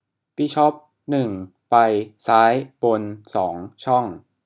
บิชอปหนึ่งไปซ้ายบนสองช่อง